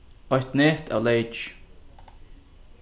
eitt net av leyki